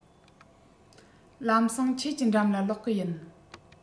ལམ སེང ཁྱེད ཀྱི འགྲམ ལ ལོག གི ཡིན